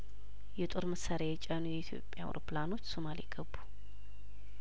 የጦር መሳሪያየጫኑ የኢትዮጵያ አውሮፕላኖች ሶማሌ ገቡ